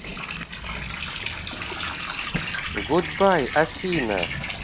goodbye афина